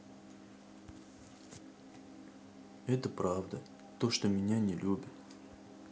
это правда то что меня не любят